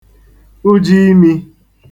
ujiimī